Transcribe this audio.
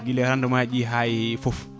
guila rendement ji ɗi ha e foof